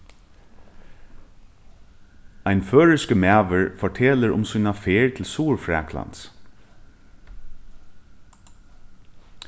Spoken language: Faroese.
ein føroyskur maður fortelur um sína ferð til suðurfraklands